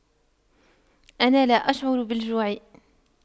أنا لا أشعر بالجوع